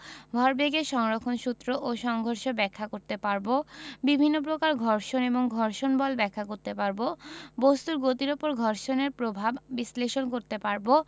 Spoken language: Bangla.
ভরবেগের সংরক্ষণ সূত্র ও সংঘর্ষ ব্যাখ্যা করতে পারব বিভিন্ন প্রকার ঘর্ষণ এবং ঘর্ষণ বল ব্যাখ্যা করতে পারব বস্তুর গতির উপর ঘর্ষণের প্রভাব বিশ্লেষণ করতে পারব